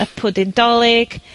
y pwdi'n 'Dolig,